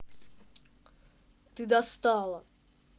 ты достала